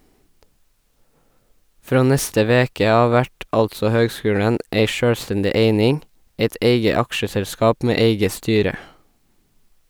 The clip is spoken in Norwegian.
Frå neste veke av vert altså høgskulen ei sjølvstendig eining, eit eige aksjeselskap med eige styre.